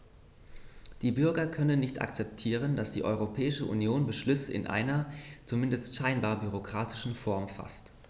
Die Bürger können nicht akzeptieren, dass die Europäische Union Beschlüsse in einer, zumindest scheinbar, bürokratischen Form faßt.